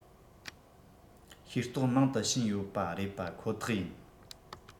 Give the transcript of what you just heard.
ཤེས རྟོགས མང དུ ཕྱིན ཡོད པ རེད པ ཁོ ཐག ཡིན